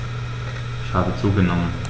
Ich habe zugenommen.